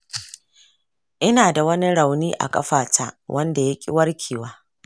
ina da wani rauni a ƙafata wanda yaƙi warkewa.